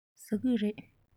ཟ ཀི རེད